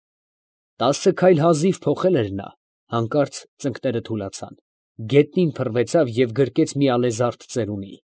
Տասը քայլ հազիվ փոխել էր նա, հանկարծ ծնկները թուլացան, գետնին փռվեցավ և գրկեց մի ալեզարդ ծերունի։